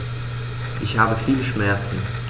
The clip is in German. Ich habe viele Schmerzen.